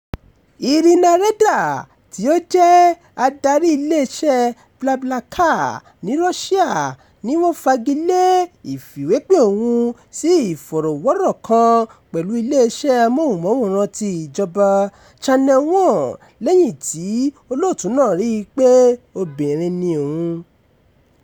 Irina Reyder tí ó jẹ́ adarí iléeṣẹ́ BlaBlaCar ní Russia ní wọ́n fagi lé ìfìwépè òun sí ìfọ̀rọ̀wọ́rọ̀ kan pẹ̀lú iléeṣẹ́ amóhùnmáwòrán-an ti ìjọba, Channel One lẹ́yìn tí olóòtú náà rí i pé obìnrin ni òun.